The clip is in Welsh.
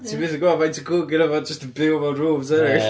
ti byth yn gwybod faint o gŵn gynna fo jyst yn byw mewn rooms eraill.